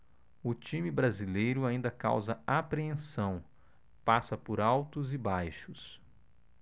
o time brasileiro ainda causa apreensão passa por altos e baixos